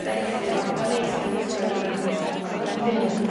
By' rei chdi o fyddo'n neis ca'l wisgo iddo fyddan n'w 'di ca'l sioc fyddan. Fydd.